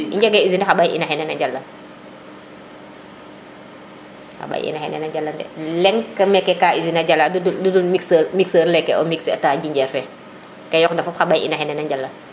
i njege usine de xa ɓay ina xene na njalan xa ɓay ina xene na njalan de leŋ ka usine na jala ludul mixeur mixeur leke o mixé ta jinjeer fe ke yoqna fop xa ɓay ina xana na njalan